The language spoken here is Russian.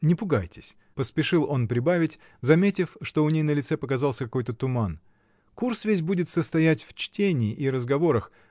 Не пугайтесь, — поспешил он прибавить, заметив, что у ней на лице показался какой-то туман, — курс весь будет состоять в чтении и разговорах.